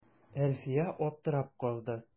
Әлфия аптырап калды.